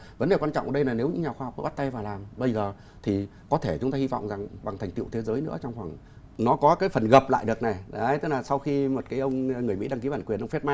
vấn đề quan trọng đây là nếu những nhà khoa học và bắt tay vào làm bây giờ thì có thể chúng ta hy vọng rằng bằng thành tựu thế giới nữa trong phần nó có cái phần gập lại được này đã ấy tức là sau khi một cái ông nghe người mỹ đăng ký bản quyền cho phép ma